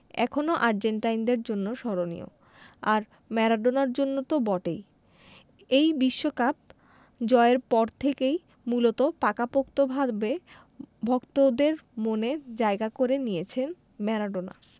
এখনো আর্জেন্টাইনদের জন্য স্মরণীয় আর ম্যারাডোনার জন্য তো বটেই এই বিশ্বকাপ জয়ের পর থেকেই মূলত পাকাপোক্তভাবে ভক্তদের মনে জায়গা করে নিয়েছেন ম্যারাডোনা